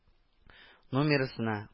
Нумирасына